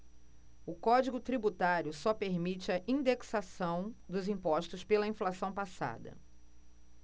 o código tributário só permite a indexação dos impostos pela inflação passada